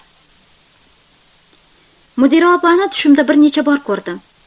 mudira opani tushimda bir necha bor ko'rdim